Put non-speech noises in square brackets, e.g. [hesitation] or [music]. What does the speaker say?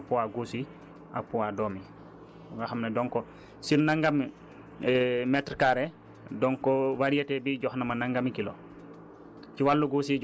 donc di nga mun a génne poids gosi ak poids doom bi nga xam ne donc sur nàngam [hesitation] mètre carré donc variété bi jox na ma nàngami kilos